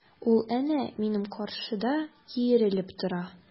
Ул әнә минем каршыда киерелеп тора!